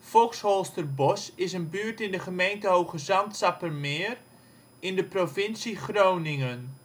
Foxholsterbosch is een buurt in de gemeente Hoogezand-Sappemeer in de provincie Groningen.